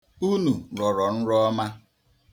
Unu rọrọ nrọ ọma.